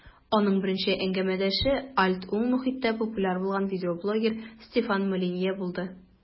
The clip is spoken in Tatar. Аның беренче әңгәмәдәше "альт-уң" мохиттә популяр булган видеоблогер Стефан Молинье булды.